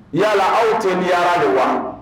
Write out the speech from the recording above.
Yalala aw tɛ nin diyara de wa